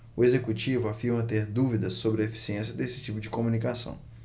o executivo afirma ter dúvidas sobre a eficiência desse tipo de comunicação